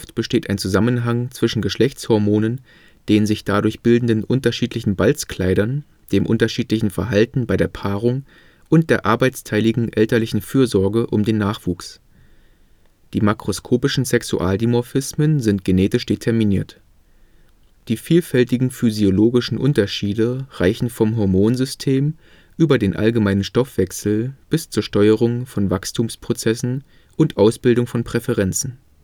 besteht ein Zusammenhang zwischen Geschlechts­hormonen, den sich dadurch bildenden unterschiedlichen Balzkleidern, dem unterschiedlichen Verhalten bei der Paarung und der arbeitsteiligen elterlichen Fürsorge um den Nachwuchs. Die makroskopischen Sexualdimorphismen sind genetisch determiniert. Die vielfältigen physiologischen Unterschiede reichen vom Hormonsystem über den allgemeinen Stoffwechsel bis zur Steuerung von Wachstumsprozessen und Ausbildung von Präferenzen